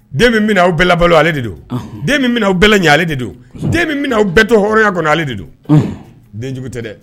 Den min bɛnaaw bɛɛla balo ale de don min bɛnaaw bɛɛlɛ ɲɛ ale de don den min bɛna' bɛɛtɔ hya kɔnɔ ale de don denjugu tɛ dɛ